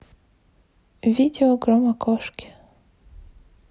найди видео громокошки